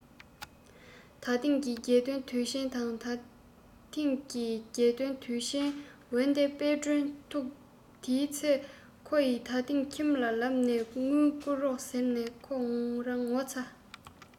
ད ཐེངས ཀྱི རྒྱལ སྟོན དུས ཆེན ད ཐེངས ཀྱི རྒྱལ སྟོན དུས ཆེན འོན ཏེ དཔལ སྒྲོན ཐུགས དེའི ཚེ ཁོ ཡི ད ཐེངས ཁྱིམ ལ ལབ ནས དངུལ བསྐུར རོགས ཟེར ན ཁོ རང ངོ ཚ